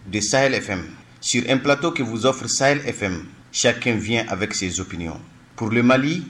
Desa yɛrɛfɛn siur in pplatɔ' wzofursa fɛ siya kɛfiy a bɛ se zop purlemali